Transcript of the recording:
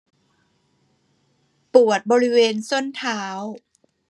ปวดบริเวณส้นเท้า